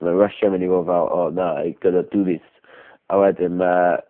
ma' Russia myn' i fo' fel o na gonna do this a wedyn ma'